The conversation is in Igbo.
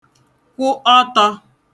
kwụ ọtọ̄